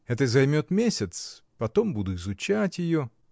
Это займет месяц, потом буду изучать ее.